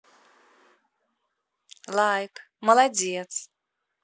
лайк молодец